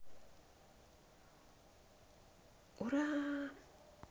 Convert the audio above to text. ура